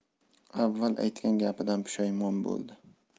avval aytgan gapidan pushaymon bo'ldi